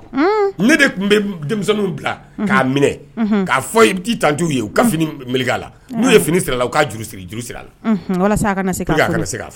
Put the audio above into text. Ne de tun bɛ k minɛa fɔ tanj ye u ka fini la n'u ye fini sira ka juru siri juru sira a la walasa